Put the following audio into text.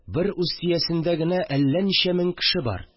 Бер Устиясендә генә әллә ничә мең кеше бар